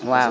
waaw